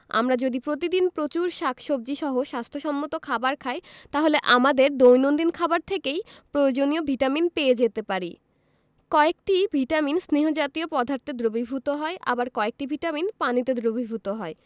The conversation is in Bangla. আমরা যদি প্রতিদিন প্রচুর শাকসবজী সহ স্বাস্থ্য সম্মত খাবার খাই তাহলে আমাদের দৈনন্দিন খাবার থেকেই প্রয়োজনীয় ভিটামিন পেয়ে যেতে পারি কয়েকটি ভিটামিন স্নেহ জাতীয় পদার্থে দ্রবীভূত হয় আবার কয়েকটি ভিটামিন পানিতে দ্রবীভূত হয়